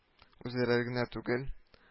Үзләре генә түгел